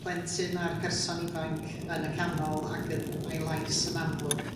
plentyn a'r person ifanc yn y canol ag yn a'i lais yn amlwg